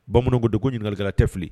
Bamananw ko ten ko ɲininkalikɛla tɛ fili.